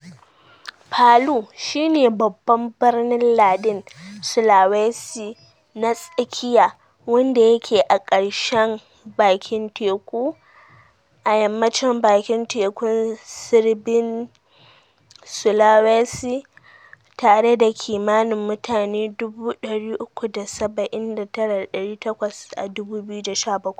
Palu shi ne babban birnin lardin Sulawesi na tsakiya, wanda yake a ƙarshen bakin teku a yammacin bakin tekun tsibirin Sulawesi, tare da kimanin mutane 379,800 a 2017.